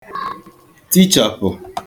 tichàpụ̀